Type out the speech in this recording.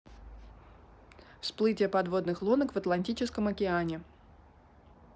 всплытие подводных лодок в атлантическом океане